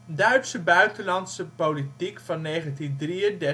Duitse Buitenlandse politiek 1933 - 1939 De